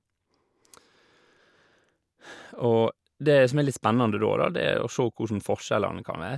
Og det som er litt spennende da, da, det er å sjå kossen forskjellene kan være.